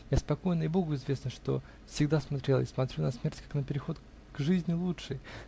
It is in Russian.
Я спокойна, и Богу известно, что всегда смотрела и смотрю на смерть как на переход к жизни лучшей